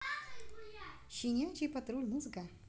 щенячий патруль музыка